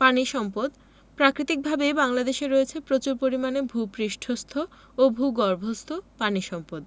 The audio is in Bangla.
পানি সম্পদঃ প্রাকৃতিকভাবেই বাংলাদেশের রয়েছে প্রচুর পরিমাণে ভূ পৃষ্ঠস্থ ও ভূগর্ভস্থ পানি সম্পদ